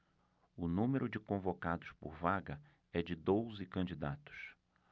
o número de convocados por vaga é de doze candidatos